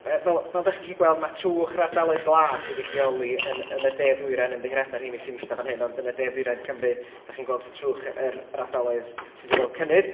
yy fel fel dach chi'n gallu gweld, ma' trwch yr ardaloedd glas wedi'u lleoli yn yn y De Ddwyrain, ymddiheuriadau i'r rheini sy'n ista fan hyn, ond yn y De Ddwyrain Cymru dach chi'n gweld trwch yr yr ardaloedd sy 'di gweld cynnydd.